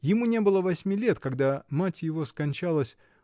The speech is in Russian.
Ему не было восьми лет, когда мать его скончалась